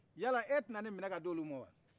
yala e tɛ na ne mina ka n di olu ma wa